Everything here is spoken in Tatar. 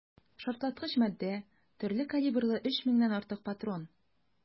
Шартлаткыч матдә, төрле калибрлы 3 меңнән артык патрон.